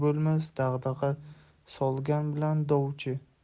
bo'lmas dag'dag'a solgan bilan dovchi